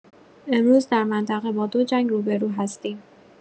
امروز در منطقه با دو جنگ روبه‌رو هستیم.